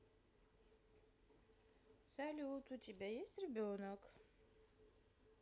салют у тебя есть ребенок